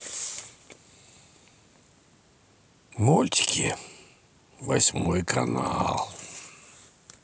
мультики восьмой канал